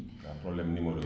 waaw problème numéro yi